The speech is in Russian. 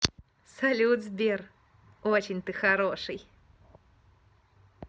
салют сбер очень ты хороший